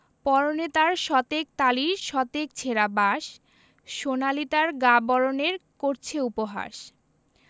পরনে তার শতেক তালির শতেক ছেঁড়া বাস সোনালি তার গা বরণের করছে উপহাস